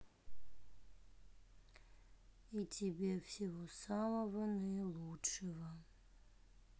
и тебе всего самого наилучшего